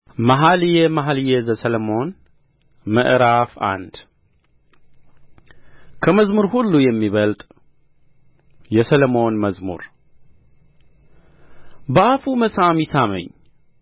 መኃልየ መኃልይ ዘሰሎሞን ምዕራፍ አንድ ከመዝሙር ሁሉ የሚበልጥ የሰሎሞን መዝሙር በአፉ መሳም ይሳመኝ